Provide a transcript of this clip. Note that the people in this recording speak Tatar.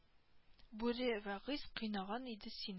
Бүре вәгыйз кыйнаган иде син